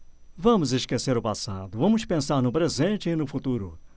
vamos esquecer o passado vamos pensar no presente e no futuro